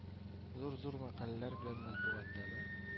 Зур-зур мәкаләләр белән матбугатта да